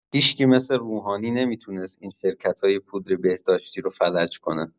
هیشکی مثل روحانی نمی‌تونست این شرکتای پودر بهداشتی رو فلج کنه